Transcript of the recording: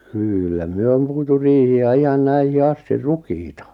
kyllä me on puitu riihiä ihan näihin asti rukiita